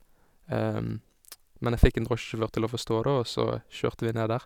Men jeg fikk en drosjesjåfør til å forstå, da, og så kjørte vi ned der.